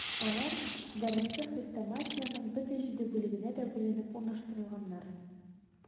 Алар дәреслек-хрестоматиянең бөтен җиде бүлегенә дә бүленеп урнаштырылганнар.